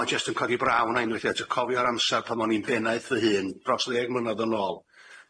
ma' jyst yn codi braw 'na i unwaith eto cofio'r amsar pan o'n i'n bennaeth fy hun dros ddeg mlynadd yn ôl,